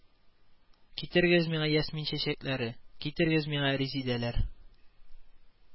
Китерегез миңа ясмин чәчәкләре, китерегез миңа резедалар